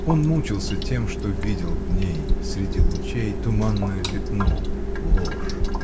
Он мучился тем, что видел в ней, среди лучей, туманное пятно — ложь.